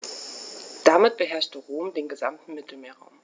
Damit beherrschte Rom den gesamten Mittelmeerraum.